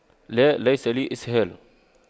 لا ليس لي إسهال